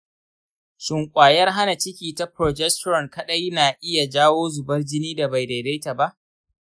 shin kwayar hana ciki ta progesterone kaɗai na iya jawo zubar jini da bai daidaita ba?